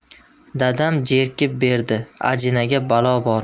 dadam jerkib berdi ajinaga balo bormi